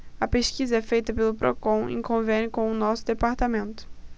a pesquisa é feita pelo procon em convênio com o diese